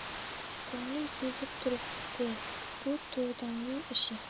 ko'nglim sezib turibdi bu to'daning ishi